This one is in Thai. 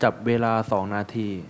จับเวลาสองนาที